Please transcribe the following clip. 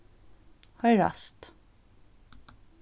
hoyrast